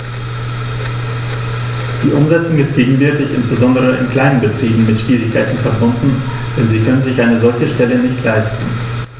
Die Umsetzung ist gegenwärtig insbesondere in kleinen Betrieben mit Schwierigkeiten verbunden, denn sie können sich eine solche Stelle nicht leisten.